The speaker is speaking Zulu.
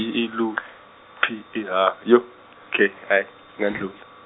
Y I LU P H I K I .